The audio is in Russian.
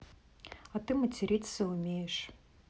а ты материться умеешь